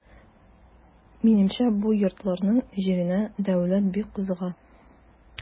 Минемчә бу йортларның җиренә дәүләт бик кызыга.